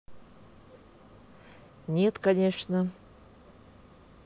нет конечно